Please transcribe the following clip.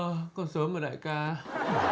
ờ còn sớm mà đại ca